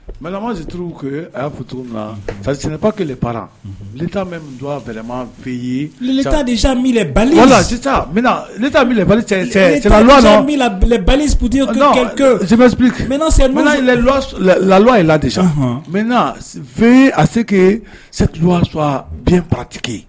Mɛɛlɛlamasitu a't na sina pa kelen para li bɛɛlɛma fɛ yelilɛlɛ bali cɛlɛpti lalɔyi lati v a se ka bɛn patigi